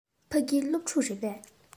ཕ གི སློབ ཕྲུག རེད པས